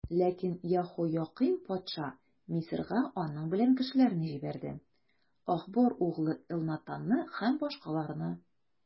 Ләкин Яһоякыйм патша Мисырга аның белән кешеләрне җибәрде: Ахбор углы Элнатанны һәм башкаларны.